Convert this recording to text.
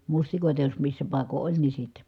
mustikoita jos missä paikoin oli niin sitten